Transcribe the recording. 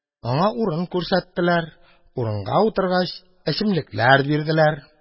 Аңа урын күрсәттеләр, урынга утыргач, эчемлекләр бирделәр.